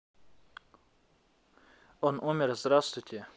он умер здравствуйте